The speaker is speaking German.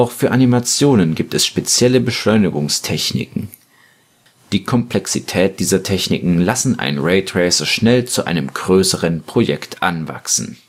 für Animationen gibt es spezielle Beschleunigungstechniken. Die Komplexität dieser Techniken lassen einen Raytracer schnell zu einem größeren Projekt anwachsen